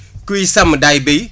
kuy sàmm day béy